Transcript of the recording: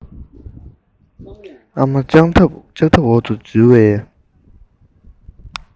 ཨ མ ལྕགས ཐབ འོག ཏུ འཛུལ བའི